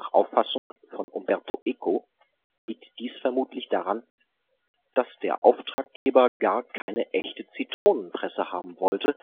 Auffassung von Umberto Eco liegt dies vermutlich daran „ daß der Auftraggeber gar keine echte Zitronenpresse haben wollte